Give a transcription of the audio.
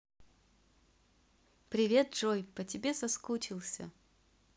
привет джой по тебе соскучился